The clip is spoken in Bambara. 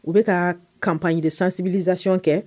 U bɛ ka kapj sansibizyon kɛ